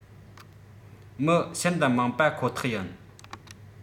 མི ཤིན ཏུ མང པ ཁོ ཐག ཡིན